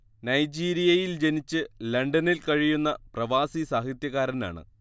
നൈജീരിയയിൽ ജനിച്ച് ലണ്ടനിൽ കഴിയുന്ന പ്രവാസി സാഹിത്യകാരനാണ്